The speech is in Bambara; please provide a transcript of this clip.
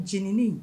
Jenini